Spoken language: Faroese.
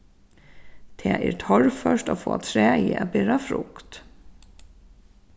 tað er torført at fáa træið at bera frukt